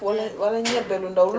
walla walla ñebe lu ndawwalla ñebe lu ndaw